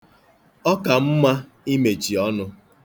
Ọ ka mma imechi ọnụ.